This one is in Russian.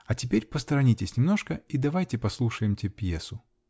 А теперь посторонитесь немножко и давайте послушаемте пьесу.